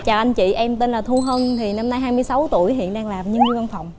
chào anh chị em tên là thu hân thì năm nay hai mươi sáu tuổi hiện đang làm nhân viên văn phòng